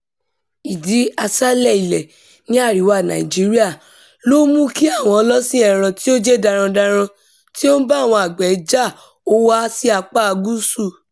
Ìdi-aṣálẹ̀-ilẹ̀ ní àríwá Nàìjíríà ló mú kí àwọn ọlọ́sìn-ẹran tí ó jẹ́ darandaran tí ó ń bá àwọn àgbẹ̀ jà ó wà sí apá gúúsù.